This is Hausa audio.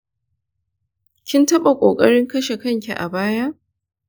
kin taɓa ƙoƙarin kashe kanki a baya?